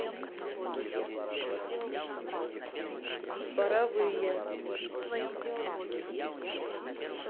паровые